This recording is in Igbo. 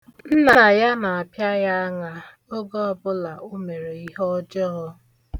Nna ya na-apịa ya aṅa oge ọbụla o mere ihe ọjọọ.